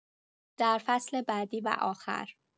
در فصل بعدی و آخر